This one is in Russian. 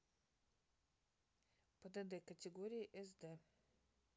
пдд категории cd